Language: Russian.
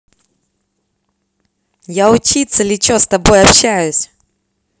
я учиться лечо с тобой общаюсь